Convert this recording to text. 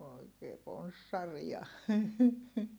oikein ponssareita